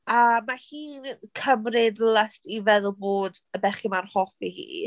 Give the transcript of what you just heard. A mae hi'n cymryd lust i feddwl bod y bechgyn ma'n hoffi hi.